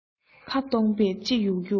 ཁ སྟོང པས ལྕེ ཡུག ཡུག